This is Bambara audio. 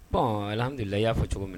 Paul ala hakili la y'a fɔ cogo min